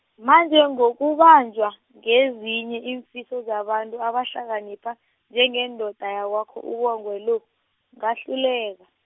manje ngokubanjwa, ngezinye iimfiso zabantu abahlakanipha, njengendoda yakwakho uBongwe lo, ngahluleka.